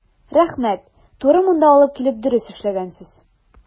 Рәхмәт, туры монда алып килеп дөрес эшләгәнсез.